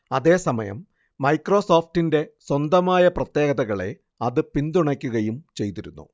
അതേസമയം മൈക്രോസോഫ്റ്റിന്റെ സ്വന്തമായ പ്രത്യേകതകളെ അത് പിന്തുണക്കുകയും ചെയ്തിരുന്നു